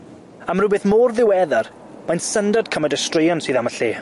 Am rwbeth mor ddiweddar, mae'n syndod cymaint o straeon sydd am y lle.